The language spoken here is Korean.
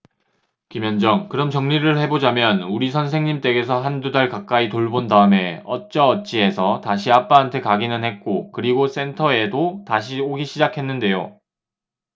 김현정 그럼 정리를 해 보자면 우리 선생님 댁에서 한 두 달 가까이 돌본 다음에 어쩌어찌해서 다시 아빠한테 가기는 했고 그리고 센터에도 다시 오기 시작했는데요